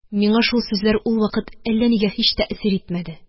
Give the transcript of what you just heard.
Миңа шул сүзләр ул вакыт әллә нигә һич тәэсир итмәде.